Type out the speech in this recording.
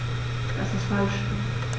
Das ist falsch.